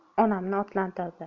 onamni otlantirdi